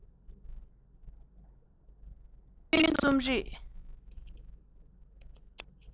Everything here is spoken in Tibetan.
སྲོལ རྒྱུན རྩོམ རིག